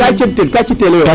Ka cooɗ tel kaa ci'telooyo .